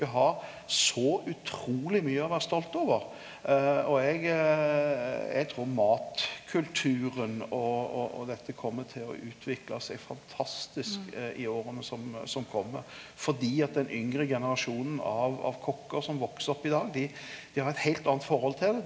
vi har så utruleg mykje å vere stolt over og eg eg trur matkulturen og og og dette kjem til å utvikla seg fantastisk i åra som som kjem, fordi at den yngre generasjonen av av kokkar som veks opp i dag, dei dei har eit heilt anna forhold til det.